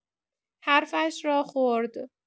حرفش را خورد.